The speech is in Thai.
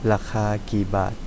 ราคากี่บาท